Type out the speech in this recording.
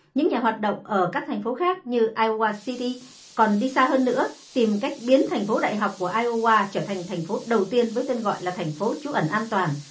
những nhà hoạt động ở các thành phố khác như ai ô oa ci đi còn đi xa hơn nữa tìm cách biến thành phố đại học của ai ô oa trở thành thành phố đầu tiên với tên gọi là thành phố trú ẩn an toàn